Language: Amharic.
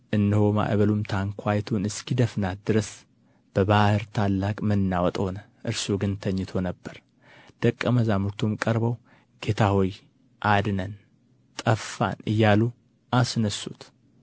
እነሆም ማዕበሉ ታንኳይቱን እስኪደፍናት ድረስ በባሕር ታላቅ መናወጥ ሆነ እርሱ ግን ተኝቶ ነበር ደቀ መዛሙርቱም ቀርበው ጌታ ሆይ አድነን ጠፋን እያሉ አስነሡት